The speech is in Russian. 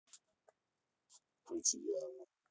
включить диану